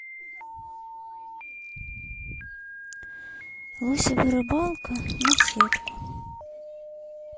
лосева рыбалка на сетку